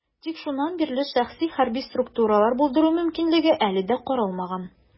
Тик шуннан бирле шәхси хәрби структуралар булдыру мөмкинлеге әле дә каралмаган.